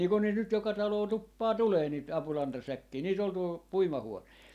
niin kuin niitä nyt joka taloon tuppaa tulemaan niitä apulantasäkkejä niitä oli tuolla puimahuoneen